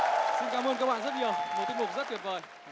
cảm ơn các bạn rất nhiều một tiết mục rất tuyệt vời